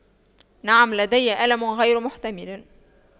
نعم لدي ألم غير محتمل